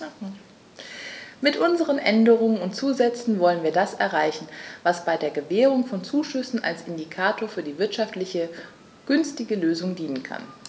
Mit unseren Änderungen und Zusätzen wollen wir das erreichen, was bei der Gewährung von Zuschüssen als Indikator für die wirtschaftlich günstigste Lösung dienen kann.